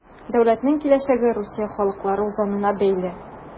Дәүләтнең киләчәге Русия халыклары үзаңына бәйле.